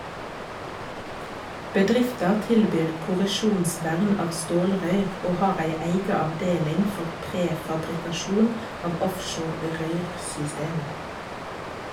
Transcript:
Bedrifta tilbyr korrosjonsvern av stålrøyr, og har ei eiga avdeling for prefabrikasjon av offshore røyrsystem.